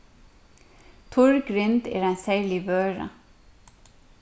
turr grind er ein serlig vøra